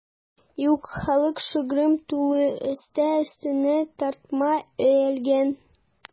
Юк, халык шыгрым тулы, өсте-өстенә тартма өелгән.